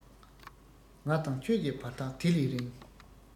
ང དང ཁྱོད ཀྱི བར ཐག དེ ལས རིང